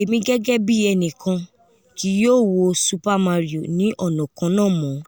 Emi, gẹgẹbi ẹnikan, kii yoo wo Super Mario ni ọna kanna mọ.